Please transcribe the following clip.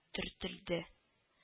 Төртелде